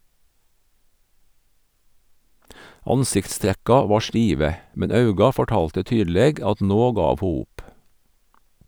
Ansiktstrekka var stive, men auga fortalte tydeleg at nå gav ho opp.